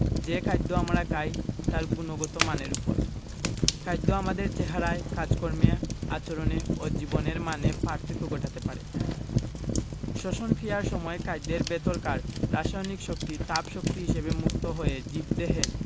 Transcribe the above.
যে খাদ্য আমরা খাই তার গুণগত মানের ওপর খাদ্য আমাদের চেহারায় কাজকর্মে আচরণে ও জীবনের মানে পার্থক্য ঘটাতে পারে শ্বসন ক্রিয়ার সময় খাদ্যের ভেতরকার রাসায়নিক শক্তি তাপ শক্তি হিসেবে মুক্ত হয়ে জীবদেহের